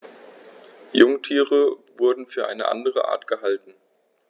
Jungtiere wurden für eine andere Art gehalten.